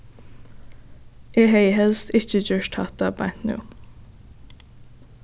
eg hevði helst ikki gjørt hatta beint nú